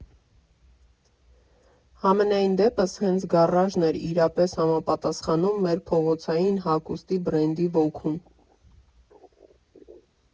Համենայն դեպս, հենց գարաժն էր իրապես համապատասխանում մեր փողոցային հագուստի բրենդի ոգուն։